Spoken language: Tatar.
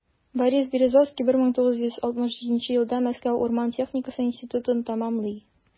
Борис Березовский 1967 елда Мәскәү урман техникасы институтын тәмамлый.